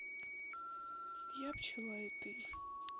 я пчела и ты